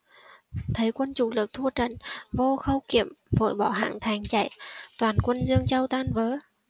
thấy quân chủ lực thua trận vô khâu kiệm vội bỏ hạng thành chạy toàn quân dương châu tan vỡ